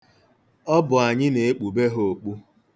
Ọ bụ anyị na-ekpube ha okpu.